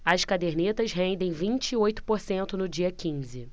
as cadernetas rendem vinte e oito por cento no dia quinze